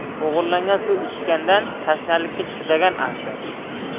o'g'irlangan suv ichgandan tashnalikka chidash afzal